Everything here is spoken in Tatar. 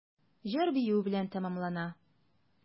Җыр-бию белән тәмамлана.